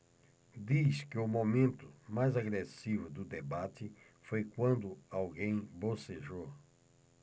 diz que o momento mais agressivo do debate foi quando alguém bocejou